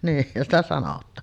niinhän sitä sanotaan